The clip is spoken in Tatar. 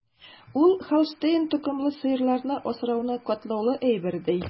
Ул Һолштейн токымлы сыерларны асрауны катлаулы әйбер, ди.